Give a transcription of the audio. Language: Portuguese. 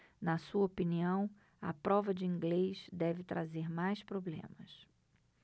na sua opinião a prova de inglês deve trazer mais problemas